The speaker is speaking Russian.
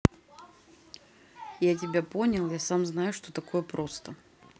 я тебя понял я сам знаю что такое просто